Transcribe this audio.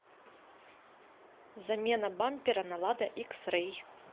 замена бампера на лада икс рей